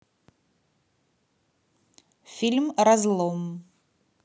фильм разлом